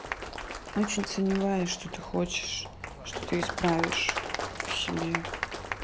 очень сомневаюсь что ты хочешь что ты исправишь в себе